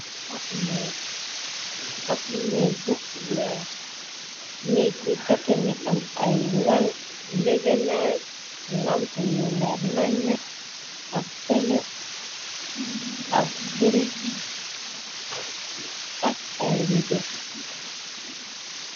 Ab néeg, ab nèeg bu weex. Nèeg bi kat mungi am ay lal, ngegenaay, lamp yu leer nañe ,ak tele, ak furige, ak ay rido.